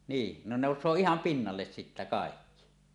niin ne nousee ihan pinnalle sitten kaikki